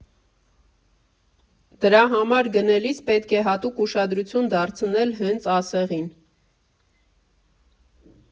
Դրա համար գնելիս պետք է հատուկ ուշադրություն դարձնել հենց ասեղին։